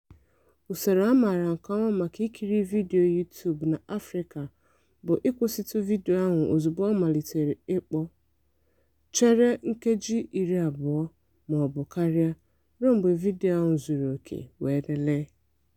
Usoro a maara nke ọma maka ikiri vidiyo YouTube na Afrịka bụ ịkwụsịtụ vidiyo ahụ ozugbo ọ malitere ịkpọ, chere nkeji 20 (maọbụ karịa) ruo mgbe vidiyo ahụ zuru oke, wee lelee.